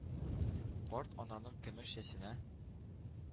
Карт ананың көмеш чәченә